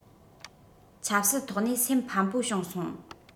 ཆབ སྲིད ཐོག ནས སེམས ཕམས པོ བྱུང སོང